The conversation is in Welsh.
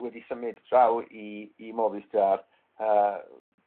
wedi symud draw i i Movistar yy